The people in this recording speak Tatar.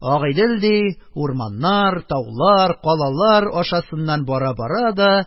Агыйдел, ди, урманнар, таулар, калалар ашасыннан бара-бара да